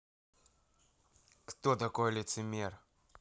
кто такой лицемер